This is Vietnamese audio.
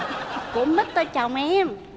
của mít tơ chồng em